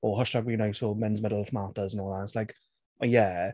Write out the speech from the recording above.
Hashtag be nice, or men's mental health matters and all that. And it's like, well yeah...